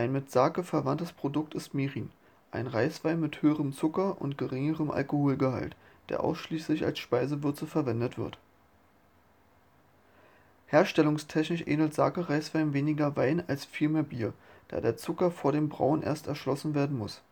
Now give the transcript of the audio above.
mit Sake verwandtes Produkt ist Mirin, ein Reiswein mit höherem Zucker - und geringerem Alkoholgehalt, der ausschließlich als Speisewürze verwendet wird. Herstellungstechnisch ähnelt Sake-Reiswein weniger Wein als vielmehr Bier, da der Zucker vor dem Brauen erst erschlossen werden muss